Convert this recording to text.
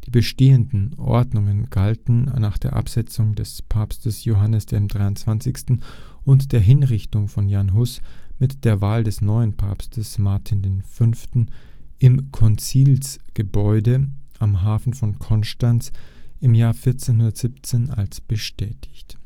bestehenden Ordnungen galten nach der Absetzung des Papstes Johannes XXIII. und der Hinrichtung von Jan Hus mit der Wahl des neuen Papstes Martin V. im Konzilsgebäude am Hafen von Konstanz im Jahr 1417 als bestätigt